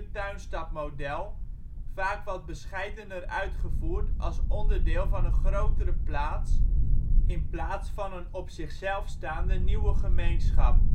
tuinstadmodel, vaak wat bescheidener uitgevoerd als onderdeel van een grote (re) stad in plaats van op zichzelf staande nieuwe gemeenschap